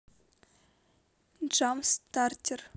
джам стартер